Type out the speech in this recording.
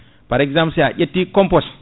par exemple si a ƴetti composte